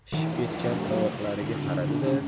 shishib ketgan qovoqlariga qaradi da